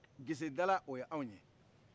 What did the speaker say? gesedala o y' anw ye